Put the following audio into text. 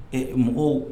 E mɔgɔw